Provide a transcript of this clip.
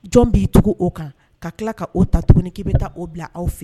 Jɔn b'i tugu o kan ka tila k ka'o ta tuguni' bɛ taa' bila aw fɛ